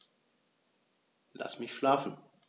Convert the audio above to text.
Lass mich schlafen